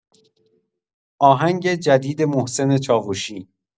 آهنگ جدید محسن چاووشی